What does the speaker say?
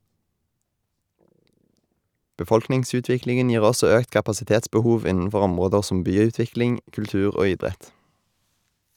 Befolkningsutviklingen gir også økt kapasitetsbehov innenfor områder som byutvikling, kultur og idrett.